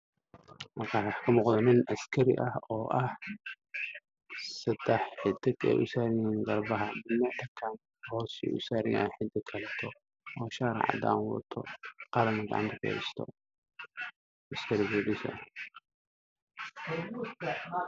Halkaan waxaa ka muuqda nin askari ah oo ah saddex xidig ay u saaran yihiin garbaha hoosana uu u saaran yahay xidig kaleeto oo shaar cadaan wato qalina gacanta ku haysta askari booliis ah.